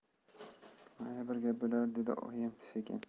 mayli bir gap bo'lar dedi oyim sekin